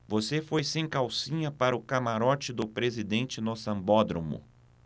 você foi sem calcinha para o camarote do presidente no sambódromo